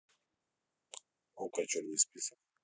око черный список